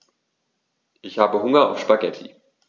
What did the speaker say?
Ich habe Hunger auf Spaghetti.